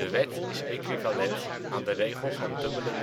wet is equivalent aan de regel van dubbele